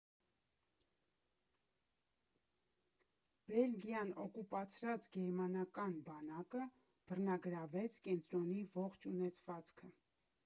Բելգիան օկուպացրած գերմանական բանակը բռնագրավեց կենտրոնի ողջ ունեցվածքը։